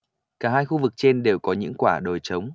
cả hai khu vực trên đều có những quả đồi trống